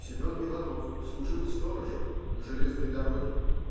Семен Иванов служил сторожем на железной дороге.